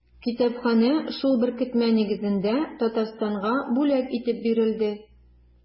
Китапханә шул беркетмә нигезендә Татарстанга бүләк итеп бирелде.